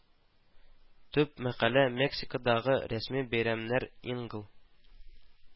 Төп мәкалә Мексикадагы рәсми бәйрәмнәр ингл